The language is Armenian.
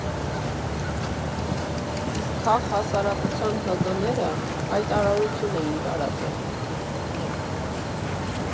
Իսկ քաղհասարակության ՀԿ֊ները հայտարարություն էին տարածել։